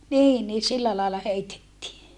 niin niin sillä lailla heitettiin